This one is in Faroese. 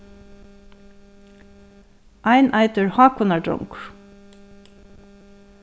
ein eitur hákunardrongur